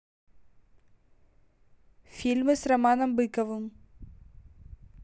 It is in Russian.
фильмы с романом быковым